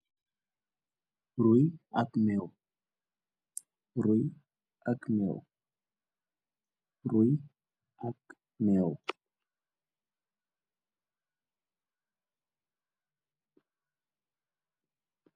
Lii ab negela bounyou defar